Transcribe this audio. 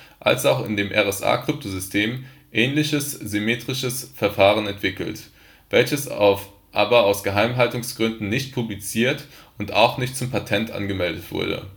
als auch ein dem RSA-Kryptosystem ähnliches asymmetrisches Verfahren entwickelt, welches aber aus Geheimhaltungsgründen nicht publiziert und auch nicht zum Patent angemeldet wurde